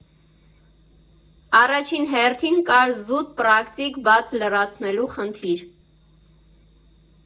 Առաջին հերթին կար զուտ պրակտիկ բաց լրացնելու խնդիր.